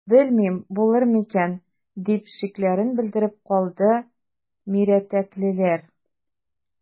Белмим, булыр микән,– дип шикләрен белдереп калды мирәтәклеләр.